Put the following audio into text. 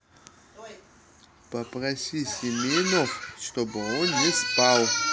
попроси семенов чтобы он не спал